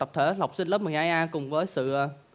tập thể học sinh lớp mười hai a cùng với sự à